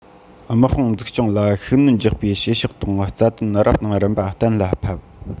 དམག དཔུང འཛུགས སྐྱོང ལ ཤུགས སྣོན རྒྱག པའི བྱེད ཕྱོགས དང རྩ དོན རབ དང རིམ པ གཏན ལ ཕབ